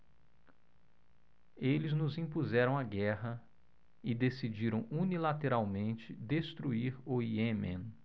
eles nos impuseram a guerra e decidiram unilateralmente destruir o iêmen